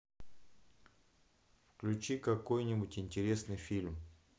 включи какой нибудь интересный фильм